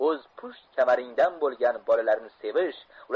oz pusht kamaringdan bo'lgan bolalarni sevish